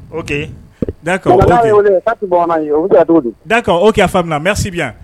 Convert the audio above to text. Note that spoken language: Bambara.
O da daka o k faamuya n' sibi yan